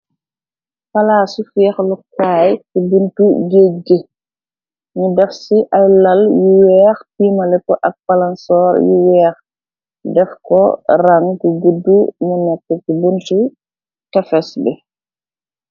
Plassi feuhalor kaii cii buntu geudggh gui, nju deff cii aiiy lal yu wekh giimaleko ak palansorr yu wekh, defkor raang bu gudu muneka cii buntu tehfess bii.